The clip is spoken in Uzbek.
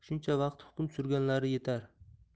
vaqt hukm surganlari yetar